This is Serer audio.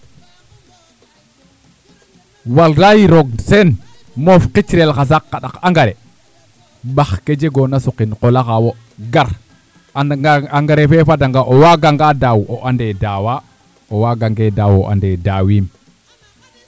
waalay roog Seen moof xicrel xa saaq xa ɗak engrais ɓaxkee jegoona suqi qol axaa wo' gar engrais fee fadanga o waaganga daaw o ande daawa o waagangee daaw o ande daawiim